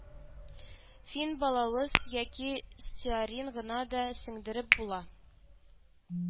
Фин, балавыз яки стеарин гына да сеңдереп була